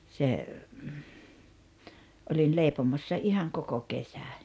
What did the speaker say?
se olin leipomossa ihan koko kesän